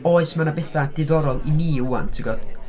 Oes mae 'na bethau diddorol i ni rŵan ti'n gwybod.